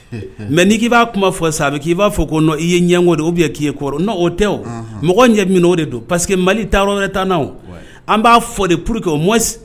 Mais n'i k'i b'a kuma fɔ sisan a bɛ k'i b'a fɔ, k'i ye ɲɛngo oubien k'i ye ko wɛrɛ ye, unhun, non o tɛ o mɔgɔ ɲɛ min na o de don, parce que Mali taa yɔrɔ t'an o an b'a fɔ de pour que au moins